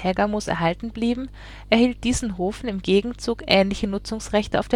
Tägermoos erhalten blieben, erhielt Diessenhofen im Gegenzug ähnliche Nutzungsrechte auf